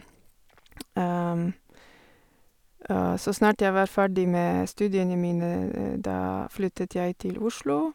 Og så snart jeg var ferdig med studiene mine, da flyttet jeg til Oslo.